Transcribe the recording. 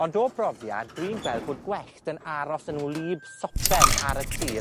Ond o brofiad, dwi'n gweld bod gwellt yn aros yn wlyb sopen ar y tir,